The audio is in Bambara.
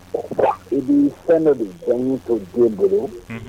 O i b bɛi fɛn dɔ de jɔn' to don bolo